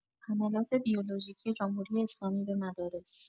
حملات بیولوژیکی جمهوری‌اسلامی به مدارس